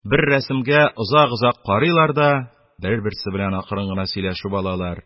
Бер рәсемгә озак-озак карыйлар да бер-берсе белән акрын гына сөйләшеп алалар,